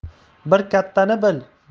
bir kattani bil